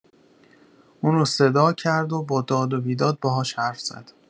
اونو رو صدا کرد و با داد و بیداد باهاش حرف زد.